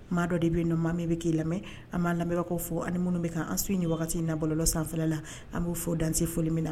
Maa dɔ de bɛ ye maa min bɛ k'i lamɛn an b'a lamɛnbagaw fɔ ani minnu bɛ kan an suit nin wagati na nabɔlɔ sanfɛla la ,an b'u fo dan tɛ foli min na